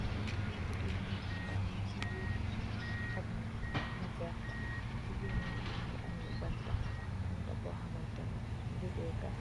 Lii nak ay jigeen ñoo fi nekke ñung si biir ñax, lu werta, jigeeni ñu ngi amee bantë, banta boo xam ne suñ bugee gas